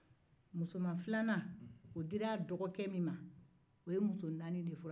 musoma filanan o dira a dɔgɔkɛ min ma o ye muso naani de furu